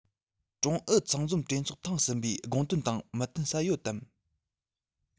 ཀྲུང ཨུ ཚང འཛོམས གྲོས ཚོགས ཐེངས གསུམ པའི དགོངས དོན དང མི མཐུན ས ཡོད དམ